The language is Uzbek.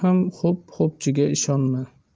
ham xo'p xo'pchiga ishonma